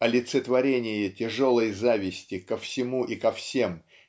олицетворение тяжелой зависти ко всему и ко всем